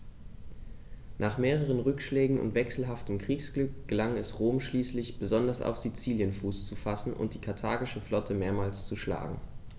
Nach mehreren Rückschlägen und wechselhaftem Kriegsglück gelang es Rom schließlich, besonders auf Sizilien Fuß zu fassen und die karthagische Flotte mehrmals zu schlagen.